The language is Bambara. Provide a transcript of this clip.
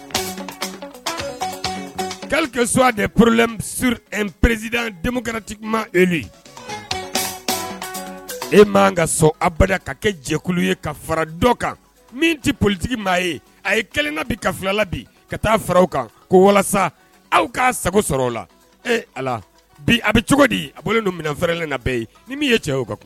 S poro perezti e ka so a ba ka kɛ jɛkulu ye ka fara dɔ kan min tɛ politigi maa ye a kelen bi ka bi ka taa fara kan ko walasa aw k ka sago sɔrɔ o la e a bi a bɛ cogo di a don minɛn fɛrɛɛrɛlen na bɛɛ ye ye cɛ o ka